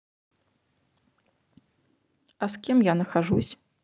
а с кем я нахожусь